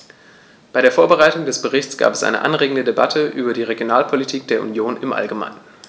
Bei der Vorbereitung des Berichts gab es eine anregende Debatte über die Regionalpolitik der Union im allgemeinen.